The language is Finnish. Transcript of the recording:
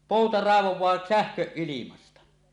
pouta raivaa sähköä ilmasta